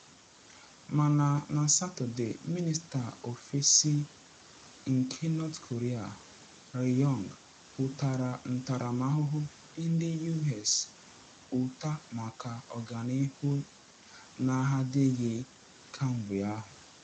Mana na Satọde, Minista Ofesi nke North Korea Ri Yong-ho tara ntaramahụhụ ndị US ụta maka ọganihu na adịghị kemgbe ahụ.